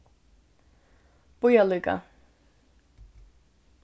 bíða líka